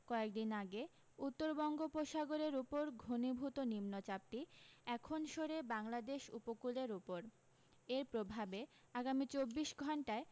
কয়েকদিন আগে উত্তর বঙ্গোপসাগরের উপর ঘনীভূত নিম্নচাপটি এখন সরে বাংলাদেশ উপকূলের উপর এর প্রভাবে আগামী চব্বিশ ঘন্টায়